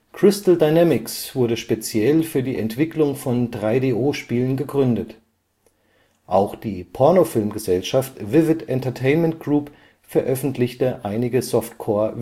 Crystal Dynamics wurde speziell für die Entwicklung von 3DO-Spielen gegründet. Auch die Pornofilmgesellschaft Vivid Entertainment Group veröffentlichte einige Softcore-VCDs